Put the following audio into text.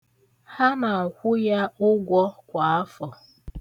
Ha na-akwụ ya ụgwọ kwa afọ.